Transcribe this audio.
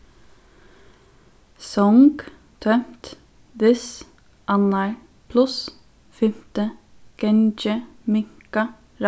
song tómt this annar pluss fimti gangi minka